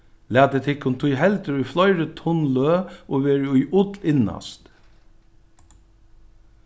latið tykkum tí heldur í fleiri tunn løg og verið í ull innast